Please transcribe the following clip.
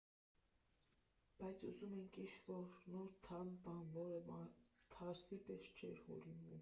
Բայց ուզում էինք ինչ֊որ նոր, թարմ բան, որը թարսի պես չէր հորինվում։